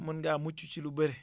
mën ngaa mucc si lu bëre